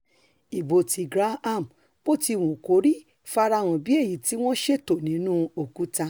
Ìbò ti Graham, botiwukori, farahàn bí èyití wọ́n ṣètò nínú òkúta.